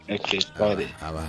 E cɛ tɔgɔ de a